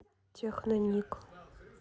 техно ник